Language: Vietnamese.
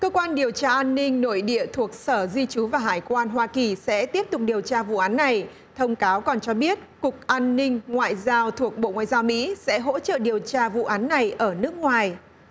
cơ quan điều tra an ninh nội địa thuộc sở di trú và hải quan hoa kỳ sẽ tiếp tục điều tra vụ án này thông cáo còn cho biết cục an ninh ngoại giao thuộc bộ ngoại giao mỹ sẽ hỗ trợ điều tra vụ án này ở nước ngoài